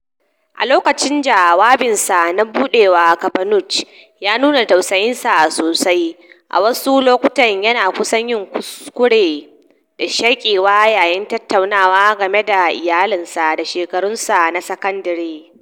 A lokacin jawabinsa na budewa, Kavanaugh ya nuna tausayin sa sosai, a wasu lokuta yana kusan yin kururuwa da shakewa yayin tattaunawa game da iyalinsa da shekarun sa na sakandare.